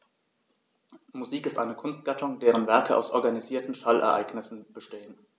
Musik ist eine Kunstgattung, deren Werke aus organisierten Schallereignissen bestehen.